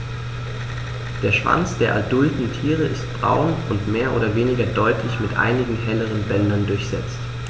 Der Schwanz der adulten Tiere ist braun und mehr oder weniger deutlich mit einigen helleren Bändern durchsetzt.